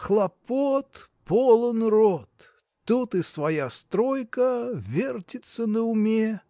Хлопот полон рот: тут и своя стройка вертится на уме.